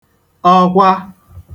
ọkwa